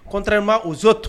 Contrairement aux autres